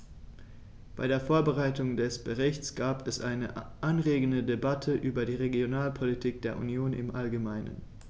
Bei der Vorbereitung des Berichts gab es eine anregende Debatte über die Regionalpolitik der Union im allgemeinen.